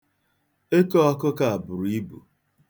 Eko ọkụkọ a buru ibu.